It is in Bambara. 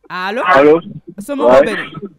Allo somɔgɔw bɛ di?